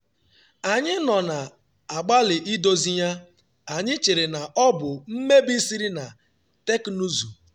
Anyị nọ na-agbalị idozi ya, anyị chere na ọ bụ mmebi siri na teknụzụ.